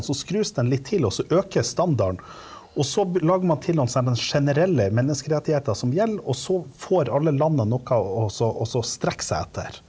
så skrus den litt til, også øker standarden, og så lager man til noen generelle menneskerettigheter som gjelder, og så får alle landa noe også også strekke seg etter.